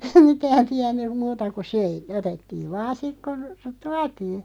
mitään tiennyt muuta kuin söi otettiin vain sitten kun tuotiin